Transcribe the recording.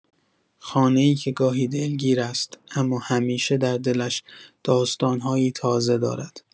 خانه‌ای که گاهی دلگیر است، اما همیشه در دلش داستان‌هایی تازه دارد.